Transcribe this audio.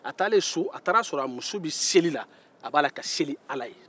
a selen so a y'a sɔrɔ a muso bɛ seli la ala ye